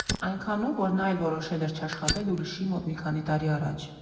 Այնքանով, որ նա էլ որոշել էր չաշխատել ուրիշի մոտ մի քանի տարի առաջ։